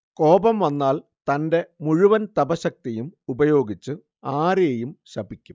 കോപം വന്നാൽ തന്റെ മുഴുവൻ തപഃശക്തിയും ഉപയോഗിച്ച് ആരെയും ശപിക്കും